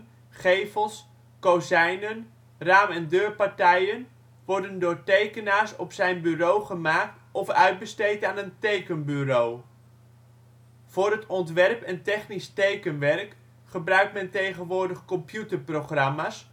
gevels, kozijnen, raam - en deurpartijen worden door tekenaars op zijn bureau gemaakt of uitbesteed aan een tekenbureau. Voor het ontwerp en technisch tekenwerk gebruikt men tegenwoordig computerprogramma 's